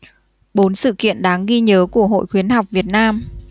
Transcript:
bốn sự kiện đáng ghi nhớ của hội khuyến học việt nam